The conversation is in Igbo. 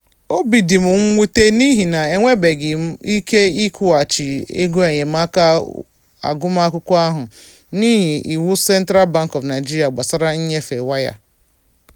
Obi di mụ mwute n'ihi na enwebeghị m ike ịkwụghachi egoenyemaaka agụmakwụkwọ ahụ n'ihi iwu Central Bank of Nigeria gbasara nnyefe waya.